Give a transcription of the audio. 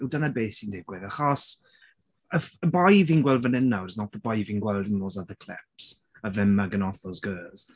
Yw dyna be sy'n digwydd? Achos y ff- y boi fi'n gweld fan hyn nawr is not the boy fi'n gweld in those other clips of him mugging off those girls.